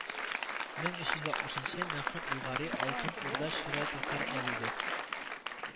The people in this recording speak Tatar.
Мең өч йөз алтмышынчы мәхмүд болгари, алтын урда чоры татар әдибе